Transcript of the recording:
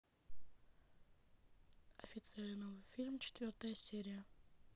офицеры новый фильм четвертая серия